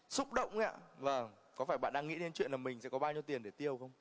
xúc động ấy ạ vâng có phải bạn đang nghĩ đến chuyện mình sẽ có bao nhiêu tiền để tiêu không